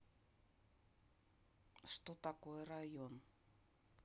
что такое район